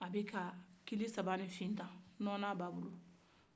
a bɛ ka kili saba nin fɛn tan nɔnɔ bɛ a bolo